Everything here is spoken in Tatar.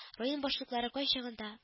Район башлыклары кайчаганда